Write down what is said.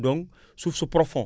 donc suuf su profond